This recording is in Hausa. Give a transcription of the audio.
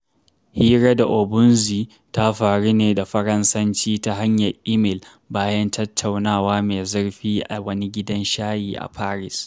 Hira da Ouabonzi ta faru ne da Faransanci ta hanyar email bayan tattaunawa mai zurfi a wani gidan shayi a Paris.